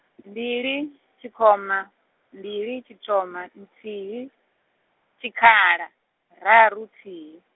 mbili, tshikhoma, mbili tshithoma nthihi, tshikhala, raru thihi.